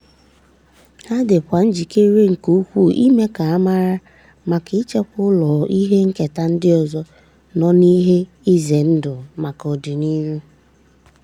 Ha dị kwa njikere nke ukwuu ime ka a mara maka ichekwa ụlọ ihe nketa ndị ọzọ nọ n'ihe ize ndụ maka ọdịnihu.